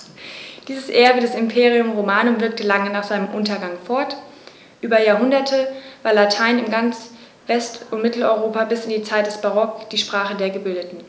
Dieses Erbe des Imperium Romanum wirkte lange nach seinem Untergang fort: Über Jahrhunderte war Latein in ganz West- und Mitteleuropa bis in die Zeit des Barock die Sprache der Gebildeten.